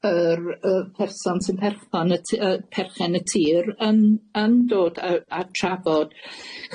yr y person sy'n perthyn y t- yy perchen y tir yn yn dod a a trafod.